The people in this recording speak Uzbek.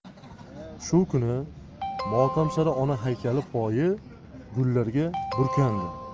shu kuni motamsaro ona haykali poyi gullarga burkandi